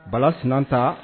Bala Sinanta